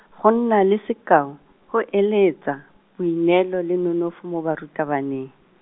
go nna le sekao, go eletsa, boineelo le nonofo mo barutabaneng.